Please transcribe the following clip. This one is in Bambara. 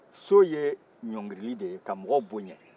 so ye ɲɔngirili de ye ka mɔgɔ bonya